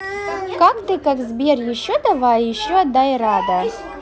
как ты как сбер еще давай еще дай рада